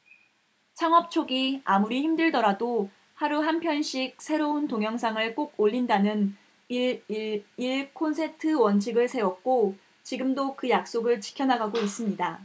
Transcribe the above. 창업 초기 아무리 힘들더라도 하루 한 편씩 새로운 동영상을 꼭 올린다는 일 일 일 콘텐트 원칙을 세웠고 지금도 그 약속을 지켜나가고 있습니다